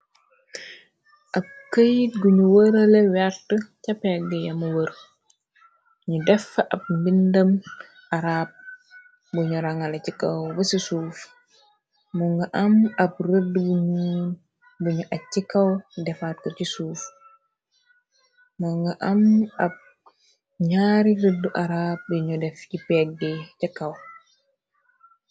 Ab këyit guñu wërale wert ca pegg yamu wër ñu def ab mbindam araab buñu rangala ci kaw bu ci suuf moo nga am ab rëdd bu nuun buñu aj ci kaw defaat ko ci suuf moo nga am ab ñaari rëdd arab bi ñu def ci peggi ca kaw.